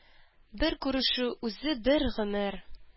Бер күрешү үзе бер гомер.